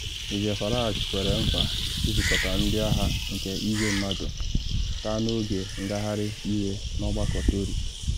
Nigel Farage kwere nkwa “izukọta ndị agha nke igwe mmadụ’ taa n’oge ngagharị iwe n’ọgbakọ Tory.